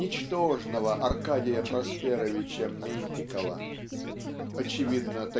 ничтожного Аркадия Просперовича Ментикова (очевидно